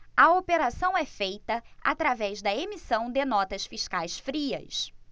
a operação é feita através da emissão de notas fiscais frias